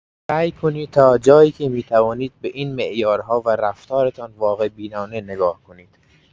سعی کنید تا جایی که می‌توانید به این معیارها و رفتارتان واقع‌بینانه نگاه کنید.